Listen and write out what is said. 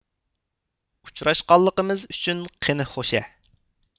ئۇچراشقانلىقىمىز ئۈچۈن قېنى خوشە